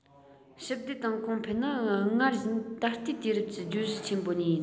ཞི བདེ དང གོང སྤེལ ནི སྔར བཞིན ད ལྟའི དུས རབས ཀྱི བརྗོད གཞི ཆེན པོ གཉིས ཡིན